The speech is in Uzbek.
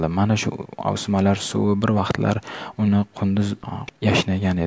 mana shu o'smalar suvi bir vaqtlar uning qunduz yashnagan edi